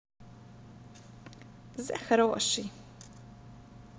the хороший